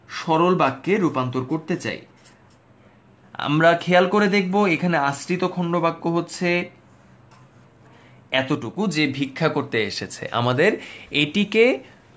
সরল বাক্যে রূপান্তর করতে চাই আমরা খেয়াল করে দেখবো এখানে আশ্রিত খন্ডবাক্য হচ্ছে এতোটুকু যে ভিক্ষা করতে এসেছে আমাদের এটিকে